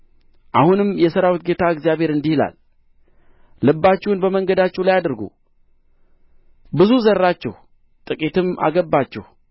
አሁንም የሠራዊት ጌታ እግዚአብሔር እንዲህ ይላል ልባችሁን በመንገዳችሁ ላይ አድርጉ ብዙ ዘራችሁ ጥቂትም አገባችሁ